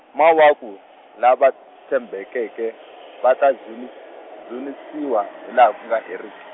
mawaku, lava tshembekeke, va ta dzuni- dzunisiwa hilaha ku nga heriki.